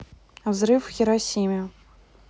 взрыв в хиросиме